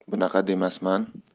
bunaqa demasman